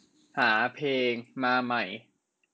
หาเพลงมาใหม่